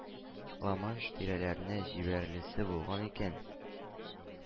Ла-Манш тирәләренә җибәреләсе булган икән.